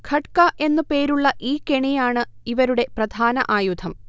'ഖട്ക' എന്നു പേരുള്ള ഈ കെണിയാണ് ഇവരുടെ പ്രധാന ആയുധം